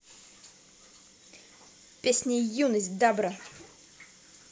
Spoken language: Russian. песня юность дабро